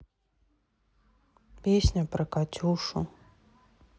песня про катюшу